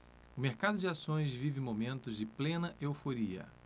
o mercado de ações vive momentos de plena euforia